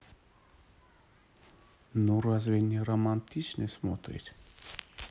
ну разве не романтично смотреть